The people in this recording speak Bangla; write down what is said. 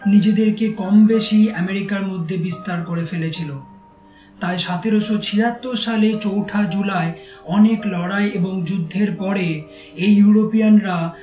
নিজেদেরকে কমবেশি এমেরিকার মধ্যে বিস্তার করে ফেলেছিল তাই ১৭৭৬ সালে চৌঠা জুলাই অনেক লড়াই এবং যুদ্ধের পরে এই ইউরোপিয়ানরা